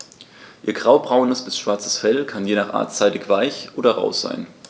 Ihr graubraunes bis schwarzes Fell kann je nach Art seidig-weich oder rau sein.